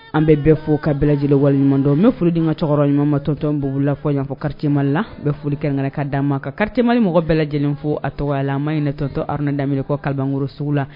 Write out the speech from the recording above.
An bɛ bɛɛ fɔ ka bɛɛ lajɛlen waleɲuman don, n bɛ foli di an ka cɛkɔrɔba ɲuman ma tɔntɔn Bubula fɔ yan fo quartier Mali la, n bɛ foli gɛrɛngɛrɛn ka d'a ma. Ka Quartier Mali mɔgɔ bɛɛ lajɛlen fɔ a tɔgɔya la, ma ɲinɛ tɔntɔn Aruna Danbele kɔ kalabankɔrɔ sugu la.